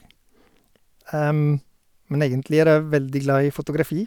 Men egentlig er jeg veldig glad i fotografi.